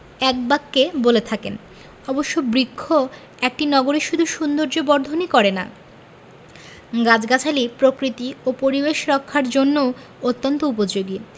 একবাক্যে বলে থাকেন অবশ্য বৃক্ষ একটি নগরীর শুধু সৌন্দর্যবর্ধনই করে না গাছগাছালি প্রকৃতি ও পরিবেশ রক্ষার জন্যও অত্যন্ত উপযোগী